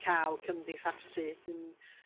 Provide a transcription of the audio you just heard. ca'l cymdeithasu 'dyn...